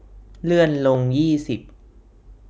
เลื่อนลงยี่สิบ